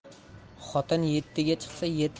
xotin yettiga chiqsa yetti